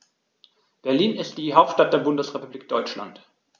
Berlin ist die Hauptstadt der Bundesrepublik Deutschland.